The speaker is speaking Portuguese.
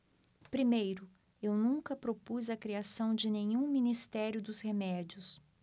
primeiro eu nunca propus a criação de nenhum ministério dos remédios